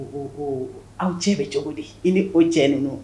U ko aw cɛ bɛ cogo di i ni o cɛ ninnu